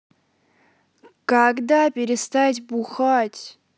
когда перестать бухать